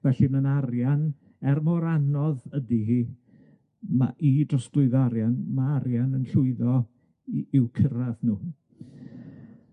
Felly ma' 'na arian, er mor anodd ydi hi ma' i drosglwyddo arian, ma' arian yn llwyddo i i'w cyrradd nw.